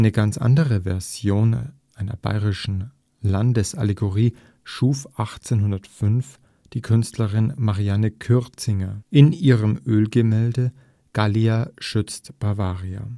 ganz andere Version einer bayerischen Landesallegorie schuf 1805 die Künstlerin Marianne Kürzinger in ihrem Ölgemälde „ Gallia schützt Bavaria